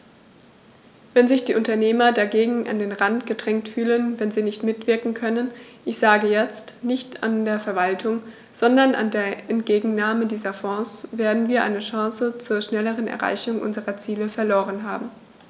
Wenn sich die Unternehmer dagegen an den Rand gedrängt fühlen, wenn sie nicht mitwirken können ich sage jetzt, nicht nur an der Verwaltung, sondern an der Entgegennahme dieser Fonds , werden wir eine Chance zur schnelleren Erreichung unserer Ziele verloren haben.